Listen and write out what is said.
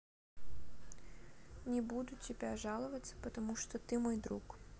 не буду тебя жаловаться потому что ты мой друг